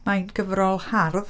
..Mae'n gyfrol hardd.